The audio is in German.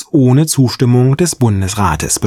ohne Zustimmung des Bundesrates